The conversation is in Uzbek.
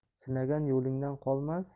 sinagan yo'lingdan qolma